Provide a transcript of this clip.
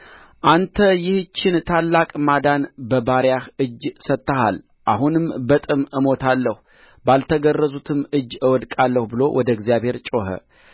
አንተ ይህችን ታላቅ ማዳን በባሪያህ እጅ ሰጥተሃል አሁንም በጥም እሞታለሁ ባልተገረዙትም እጅ እወድቃለሁ ብሎ ወደ እግዚአብሔር ጮኸ